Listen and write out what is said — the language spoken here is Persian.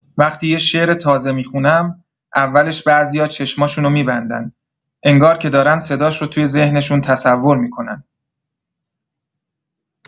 وقتی یه شعر تازه می‌خونم، اولش بعضیا چشماشونو می‌بندن، انگار که دارن صداش رو توی ذهنشون تصور می‌کنن.